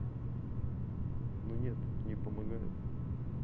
ну нет не помогает